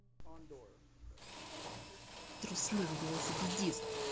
трусливый велосипедист